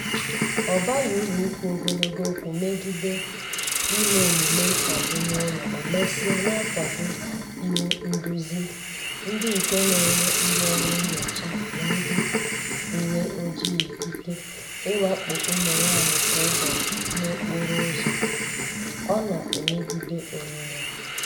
Ọ baghị uru ikwu ogologo okwu megide ime omume mkpagbu n'ụlọ ma mesịa na-akwado iwu nduzi ndị nke na-enye ndị ọrụ nnyocha na ndị uwe ojii ikike ịwakpo ụmụ nwaanyị kwa ụbọchị n'okporo ụzọ, ọ na-emegide onwe ya!